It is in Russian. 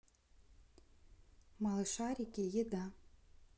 малышарики еда